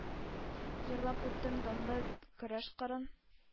Җырлап үттем данлы көрәш кырын,